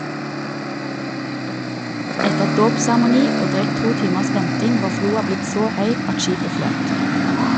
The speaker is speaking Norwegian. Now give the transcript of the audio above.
Etter dåpsseremoni og drøyt to timers venting var floa blitt så høy at skipet fløt.